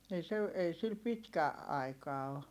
ei se ei sillä pitkä aika ole